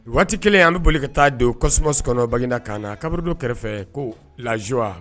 Waati kɛlen an bɛ boli ka taa don kɔ tasumaskɔnɔbagina kaana na kaburudo kɛrɛfɛ ko lazo